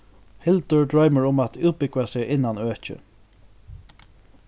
hildur droymir um at útbúgva seg innan økið